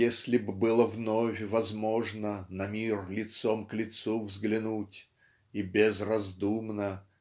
если-б было вновь возможно На мир лицом к лицу взглянуть И безраздумно